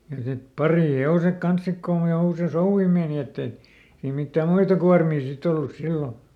ja sitten parihevoset kanssa sitten kun jo usein souvi meni että ei mitään muita kuormia sitten ollut silloin